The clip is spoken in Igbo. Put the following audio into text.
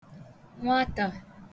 nwata